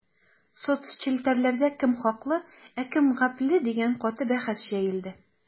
Соцчелтәрләрдә кем хаклы, ә кем гапле дигән каты бәхәс җәелде.